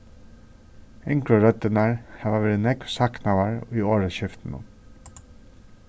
yngru røddirnar hava verið nógv saknaðar í orðaskiftinum